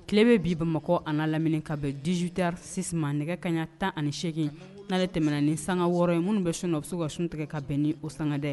Tile bɛ bin Bamakɔ an'a lamini ka bɛn 18 heures 6 ma nɛgɛ kanɲa 18 n'ale tɛmɛna ni sanga 6 ye minnu bɛ sun na u bɛ se k'u ka sun tigɛ ka bɛn ni o sanga dɛ